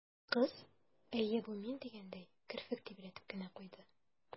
Кыз, «әйе, бу мин» дигәндәй, керфек тибрәтеп кенә куйды.